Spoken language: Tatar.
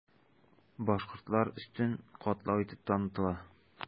Башкортлар өстен катлау итеп танытыла.